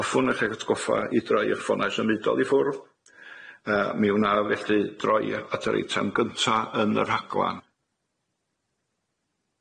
Hoffwn eich atgoffa i droi eich ffonau symudol i ffwrdd yy mi wnâf felly droi yy at yr eitem gynta yn yr rhaglan.